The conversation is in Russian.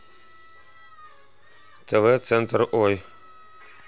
тв центр ой